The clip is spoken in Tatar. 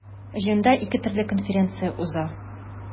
Җыенда ике төрле конференция уза.